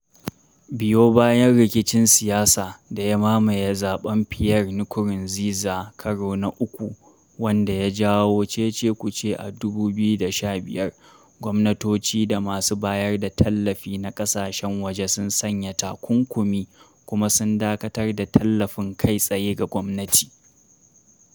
Biyo bayan rikicin siyasa da ya mamaye zaɓen Pierre Nkurunziza karo na uku wadda ya jawo cece-kuce a 2015, gwamnatoci da masu bayar da tallafi na ƙasashen waje sun sanya takunkumi kuma sun dakatar da tallafin kai tsaye ga gwamnati.